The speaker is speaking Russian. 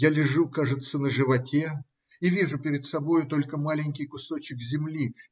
Я лежу, кажется, на животе и вижу перед собою только маленький кусочек земли.